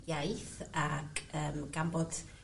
...iaith ag yym gan bod